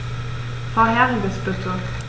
Vorheriges bitte.